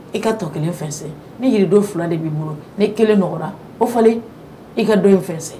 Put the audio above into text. I ka tɔ kelen fɛn ni yiridon fila de b'i bolo ni kelen nɔgɔya o falen i ka don in fɛnsɛn